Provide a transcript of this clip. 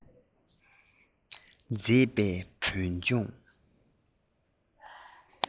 མཛེས པའི བོད ལྗོངས